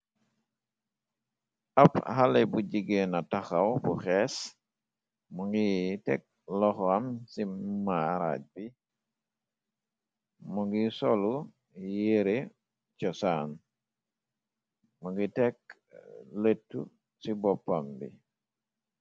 Ab xale bu jigéena taxaw bu xees mu ngi tekk loxo am ci maaraaj bi mu ngi solu yéere co saan mu ngi tekk lëttu ci boppam bi.